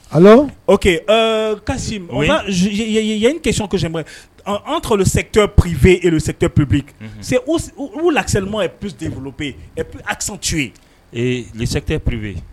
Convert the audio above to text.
Allo , okey Kasim, il y a une question : entre le secteur privé et le secteur public, c'est où l'accerment est développé et plus accentué ? Eh,t le secteur privé